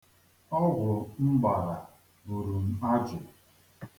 Ọgwụ m gbara buru m ajụ.